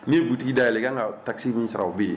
Ni ye butigi da yɛlɛ, i ka kan ka taksi min sara o bɛ yen.